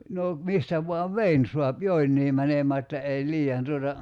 no mistä vain veden saa jotenkin menemään että ei liian tuota